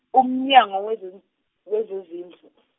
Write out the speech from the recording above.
uMnyango weze- wezeZindlu.